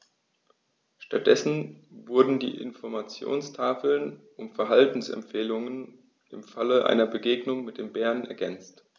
Stattdessen wurden die Informationstafeln um Verhaltensempfehlungen im Falle einer Begegnung mit dem Bären ergänzt.